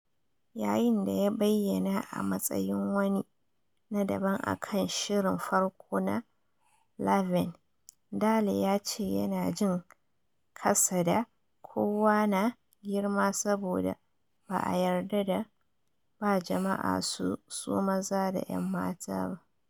Yayin da ya bayyana a matsayin wani na daban a kan shirin farko na Laverne, Daley ya ce yana jin "kasa da" kowa na girma saboda "ba a yarda da ba jama’a su so maza da 'yan mata ba."